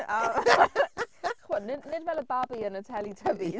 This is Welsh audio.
A chimod nid nid fel y babi yn y Teletubbies.